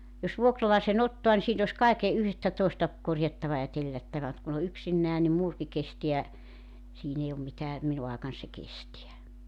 jos vuokralaisen ottaa niin siinä olisi kaiken yhtä toista korjattava ja tellättävä mutta kun on yksinään niin muurikin kestää siinä ei ole mitään minun aikani se kestää